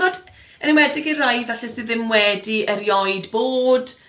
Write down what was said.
Timod, yn enwedig i'r rhai falle sydd ddim wedi erioed bod,